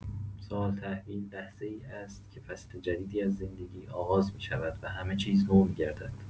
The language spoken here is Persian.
سال‌تحویل لحظه‌ای است که فصل جدیدی از زندگی آغاز می‌شود و همه‌چیز نو می‌گردد.